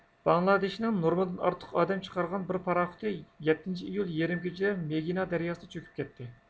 باڭلادېشنىڭ نورمىدىن ئارتۇق ئادەم چىقارغان بىر پاراخوتى يەتتىنچى ئىيۇل يېرىم كېچىدە مېگىنا دەرياسىدا چۆكۈپ كەتتى